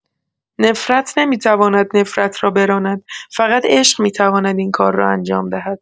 نفرت نمی‌تواند نفرت را براند، فقط عشق می‌تواند این کار را انجام دهد!